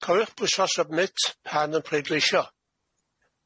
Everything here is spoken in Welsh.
Cofiwch pwyso submit pan yn pleidleisio.